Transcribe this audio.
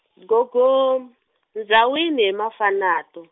go go, ndzawini he Mafanato.